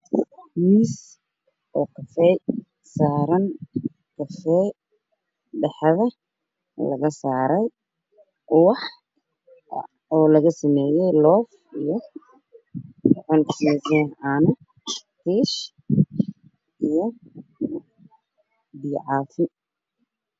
Mees oo ka fee saaran oo dhaxda ka saaran yahay wax laga sameyay loof